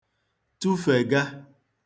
tụfèga